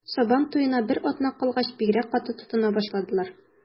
Сабан туена бер атна калгач, бигрәк каты тотына башладылар.